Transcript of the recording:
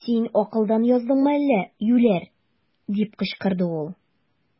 Син акылдан яздыңмы әллә, юләр! - дип кычкырды ул.